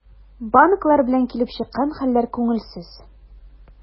Банклар белән килеп чыккан хәлләр күңелсез.